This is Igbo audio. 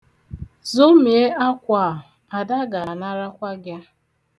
Zomie akwa a! Ada ga-anarakwa gị ya.